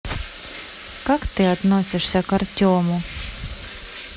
как ты относишься к артему